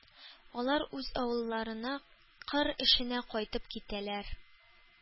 Алар үз авылларына кыр эшенә кайтып китәләр.